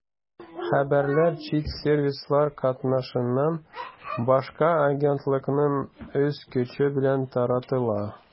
Хәбәрләр чит сервислар катнашыннан башка агентлыкның үз көче белән таратыла.